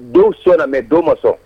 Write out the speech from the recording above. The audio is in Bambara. Don so na mɛ don ma sɔn